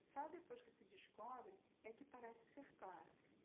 só depois que se descobre é que parece ser claro